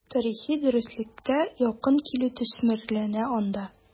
Тарихи дөреслеккә якын килү төсмерләнә анда.